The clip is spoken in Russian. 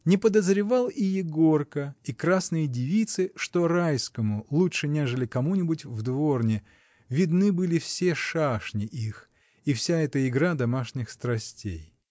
Не подозревал и Егорка, и красные девицы, что Райскому, лучше нежели кому-нибудь в дворне, видны были все шашни их и вся эта игра домашних страстей.